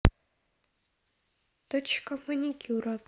точка маникюра